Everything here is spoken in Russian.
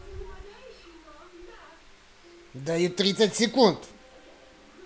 даю тридцать секунд